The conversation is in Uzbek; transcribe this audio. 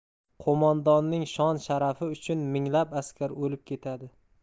qo'mondonning shon sharafi uchun minglab askar o'lib ketadi